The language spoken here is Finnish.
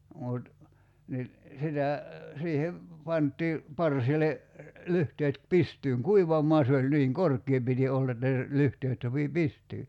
mutta niin sitä siihen pantiin parsille lyhteet pystyyn kuivamaan se oli niin korkea piti olla että lyhteet sopi pystyyn